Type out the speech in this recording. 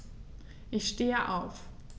Ich stehe auf.